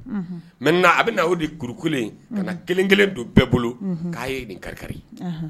Nka a bɛ na o de kuru ka na kelen kelen don bɛɛ bolo k'a ye nin kari